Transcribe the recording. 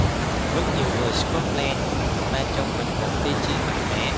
rất nhiều người scotland mang trong mình một ý chí mạnh mẽ